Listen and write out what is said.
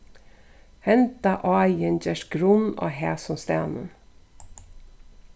henda áin gerst grunn á hasum staðnum